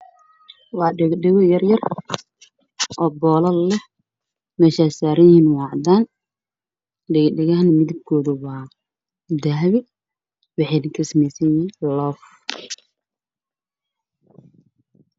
Waa dhagdhago yar yar oo boolal leh